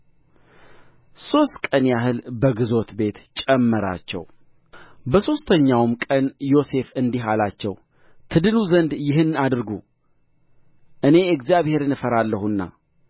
ሦስት ቀን ያህል በግዞት ቤት ጨመራቸው በሦስተኛውም ቀን ዮሴፍ እንዲህ አላቸው ትድኑ ዘንድ ይህን አድርጉ እኔ እግዚአብሔርን እፈራለሁና